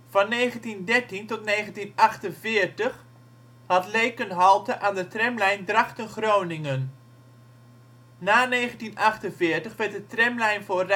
1913 tot 1948 had Leek een halte aan de Tramlijn Drachten - Groningen. Na 1948 werd de tramlijn voor reizigersvervoer